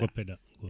goppeɗa